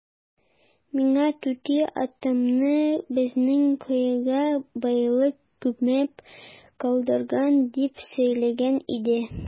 Миңа түти атамны безнең коега байлык күмеп калдырган дип сөйләгән иде.